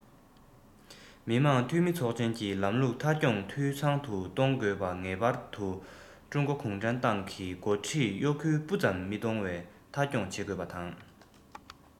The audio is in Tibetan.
མི དམངས འཐུས མི ཚོགས ཆེན གྱི ལམ ལུགས མཐའ འཁྱོངས དང འཐུས ཚང དུ གཏོང དགོས ན ངེས པར དུ ཀྲུང གོ གུང ཁྲན ཏང གི འགོ ཁྲིད གཡོ འགུལ སྤུ ཙམ མི གཏོང བར མཐའ འཁྱོངས བྱེད དགོས པ དང